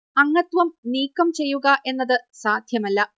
അംഗത്വം നീക്കം ചെയ്യുക എന്നത് സാധ്യമല്ല